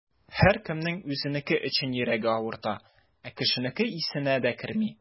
Һәркемнең үзенеке өчен йөрәге авырта, ә кешенеке исенә дә керми.